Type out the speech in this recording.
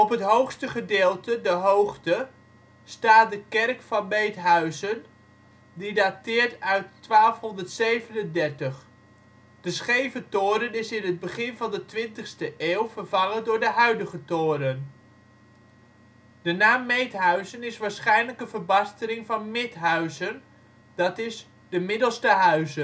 hoogste gedeelte de hoogte staat de kerk van Meedhuizen, die dateert uit 1237. De scheve toren is in het begin van de twintigste eeuw vervangen door de huidige toren. De naam Meedhuizen is waarschijnlijk een verbastering van Midhuizen, dat is ' de middelste huizen '. De